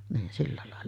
niin sillä lailla